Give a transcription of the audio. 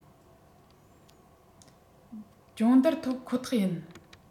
སྦྱོང བརྡར ཐོབ ཁོ ཐག ཡིན